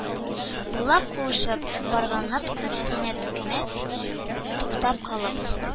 Буйлап куышып барганнан соң, кинәт кенә туктап калып